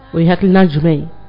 O ye hakiliina jumɛn ye